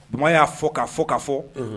Bama y'a fɔ k'a fɔ k'a fɔ unhun